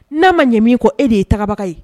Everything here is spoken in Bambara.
N'a ma ɲɛ min ko e de ye tagabaga ye